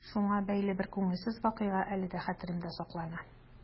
Шуңа бәйле бер күңелсез вакыйга әле дә хәтеремдә саклана.